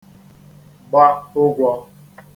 gba ụgwọ̄